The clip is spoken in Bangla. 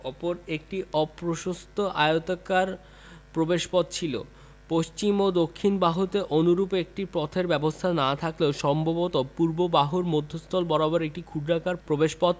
অপর একটি অপ্রশস্ত আয়তাকার প্রবেশপথ ছিল পশ্চিম ও দক্ষিণ বাহুতে অনুরূপ কোন পথের ব্যবস্থা না থাকলেও সম্ভবত পূর্ব বাহুর মধ্যস্থল বরাবর একটি ক্ষুদ্রাকার প্রবেশপথ